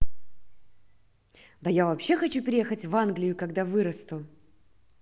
да я вообще хочу переехать в англию когда вырасту